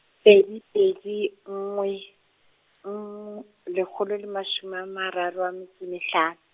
pedi pedi nngwe, nngw-, lekgolo le mashome a mararo a metso e mehlano.